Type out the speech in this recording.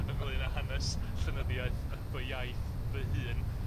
... ynglyn â hanes llenyddiaeth fy iaith fy hun.